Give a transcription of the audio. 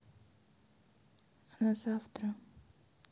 а на завтра